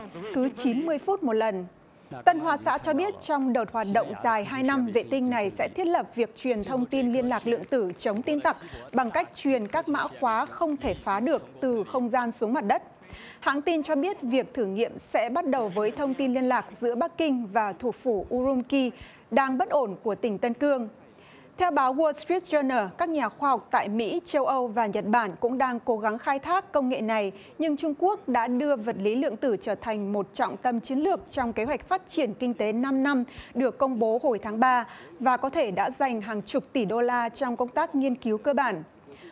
cứ chín mươi phút một lần tân hoa xã cho biết trong đợt hoạt động dài hai năm vệ tinh này sẽ thiết lập việc truyền thông tin liên lạc lượng tử chống tin tặc bằng cách truyền các mã khóa không thể phá được từ không gian xuống mặt đất hãng tin cho biết việc thử nghiệm sẽ bắt đầu với thông tin liên lạc giữa bắc kinh và thủ phủ u rum ki đang bất ổn của tỉnh tân cương theo báo gua sờ truýt giôn nờ các nhà khoa học tại mỹ châu âu và nhật bản cũng đang cố gắng khai thác công nghệ này nhưng trung quốc đã đưa vật lý lượng tử trở thành một trọng tâm chiến lược trong kế hoạch phát triển kinh tế năm năm được công bố hồi tháng ba và có thể đã dành hàng chục tỷ đô la trong công tác nghiên cứu cơ bản